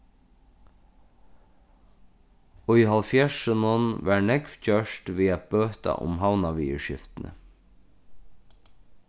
í hálvfjerðsunum var nógv gjørt við at bøta um havnaviðurskiftini